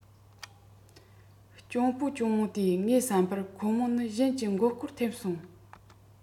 གཅུང པོ གཅུང མོ སྟེ ངའི བསམ པར ཁོ མོ ནི གཞན གྱི མགོ སྐོར ཐེབས སོང